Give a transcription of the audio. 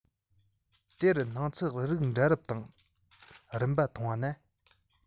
དེ རུ སྣང ཚུལ རིགས འདྲ རབ དང རིམ པ མཐོང བ ན